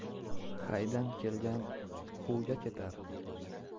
haydan kelgan huvga ketar